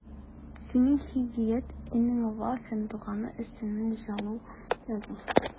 Синең Һидият энең Вафин туганы өстеннән жалу яза...